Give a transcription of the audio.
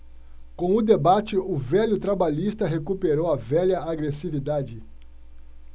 com o debate o velho trabalhista recuperou a velha agressividade